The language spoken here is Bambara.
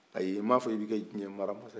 ayi m'a fɔ k'i be kɛ diɲɛ maramasa ye